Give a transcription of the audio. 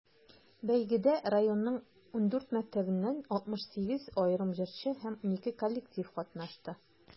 Бәйгедә районның 14 мәктәбеннән 68 аерым җырчы һәм 12 коллектив катнашты.